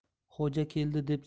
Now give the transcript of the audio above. xo'ja keldi deb